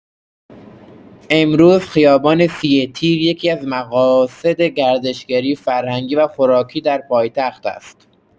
امروز خیابان سی‌تیر یکی‌از مقاصد گردشگری فرهنگی و خوراکی در پایتخت است.